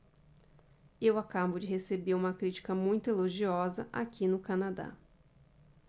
eu acabo de receber uma crítica muito elogiosa aqui no canadá